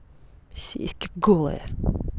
сиськи голые